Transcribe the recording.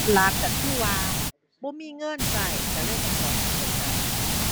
หลักก็คือว่า บ่มีเงินก็ก็เลยต้องถอนเงินออกไปก็